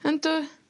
Yndw.